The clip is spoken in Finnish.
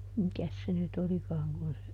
mikäs se nyt olikaan kun se